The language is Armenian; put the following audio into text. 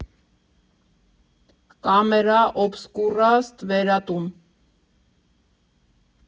Կամերա օբսկուրա, ստվերատուն,